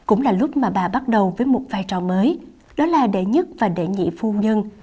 cũng là lúc mà bà bắt đầu với một vai trò mới đó là đệ nhất và đệ nhị phu nhân